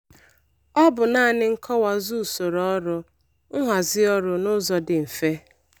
Ọ bụ naanị nkọwazu usoro ọrụ, nhazi ọrụ n'ụzọ dị mfe.